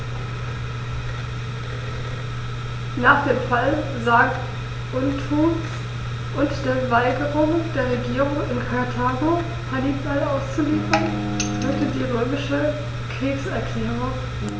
Nach dem Fall Saguntums und der Weigerung der Regierung in Karthago, Hannibal auszuliefern, folgte die römische Kriegserklärung.